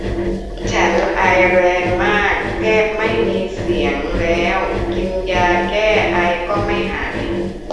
ฉันไอแรงมากแทบไม่มีเสียงแล้วกินยาแก้ไอก็ไม่หาย